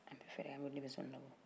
an bɛ fɛɛrɛ kɛ ka denmisɛnw labɔ